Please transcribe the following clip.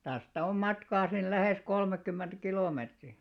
tästä on matkaa sinne lähes kolmekymmentä kilometriä